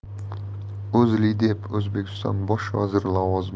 o'zlidep o'zbekiston bosh vaziri